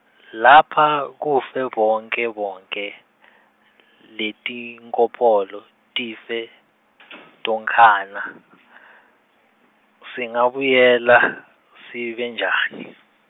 lapha kufe bonkhe bonkhe, letinkopolo tife , tonkhana , singabuyela, sibe njani.